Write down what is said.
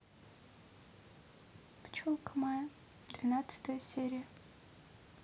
пчелка майя двенадцатая серия